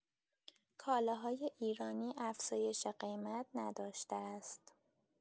کالاهای ایرانی افزایش قیمت نداشته است